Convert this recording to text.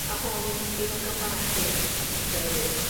Ma' hwn i hogan bach hi gynna fi.